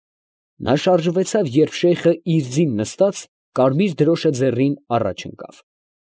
Նա շարժվեցավ, երբ Շեյխը իր ձին նստած, կարմիր դրոշը ձեռին, առաջ ընկավ։